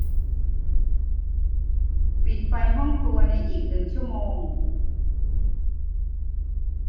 ปิดไฟห้องครัวในอีกหนึ่งชั่วโมง